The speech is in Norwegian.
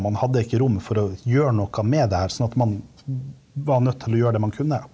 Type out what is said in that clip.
man hadde ikke rom for å gjøre noe med det her, sånn at man var nødt til å gjøre det man kunne.